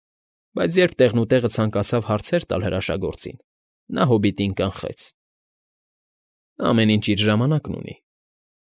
Բայց երբ տեղնուտեղը ցանկացավ հարցեր տալ հրաշագործին, նա հոբիտին կանխեց։ ֊ Ամեն ինչ իր ժամանակն ունի։